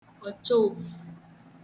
ọ̀chọofu